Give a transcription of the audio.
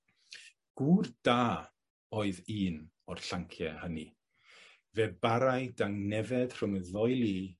Gŵr da oedd un o'r llancie hynny, fe barai dangnefedd rhwng y ddou lu